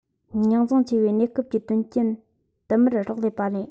རྙོག འཛིང ཆེ བའི གནས སྐབས ཀྱི དོན རྐྱེན དུ མར རག ལས པ རེད